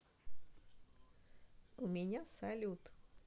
у меня салют